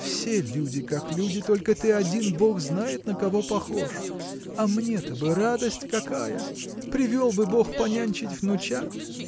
Все люди как люди, только ты один бог знает на кого похож! А мне-то бы радость какая! привел бы бог понянчить внучат.